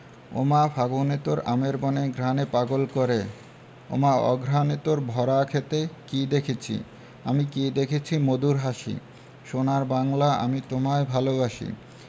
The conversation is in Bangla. ওমা ফাগুনে তোর আমের বনে ঘ্রাণে পাগল করে ওমা অঘ্রানে তোর ভরা ক্ষেতে কী দেখেছি আমি কী দেখেছি মধুর হাসি সোনার বাংলা আমি তোমায় ভালোবাসি